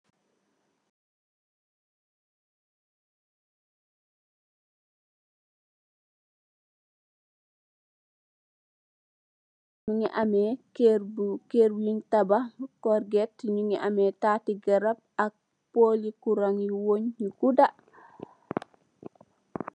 Mungy ameh kerr bu kerr bin tabakh corgate njungy ameh taati garab ak poli kurang yu weungh yu gudah.